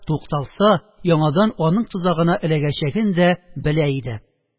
Тукталса, яңадан аның тозагына эләгәчәген дә белә иде.